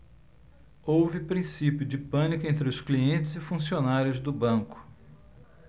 houve princípio de pânico entre os clientes e funcionários do banco